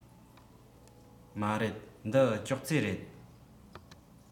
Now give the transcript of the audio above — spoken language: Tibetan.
མ རེད འདི ཅོག ཙེ རེད